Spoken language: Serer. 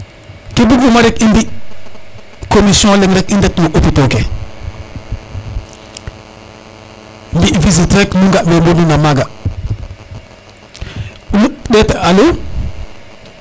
ke bug uma rek i mbi commission leŋ rek i ndet no hopitaux ke mbi visite rek nu nga we mbonu na maga nu ndet alo